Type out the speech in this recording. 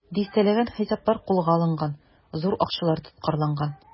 Дистәләгән хисаплар кулга алынган, зур акчалар тоткарланган.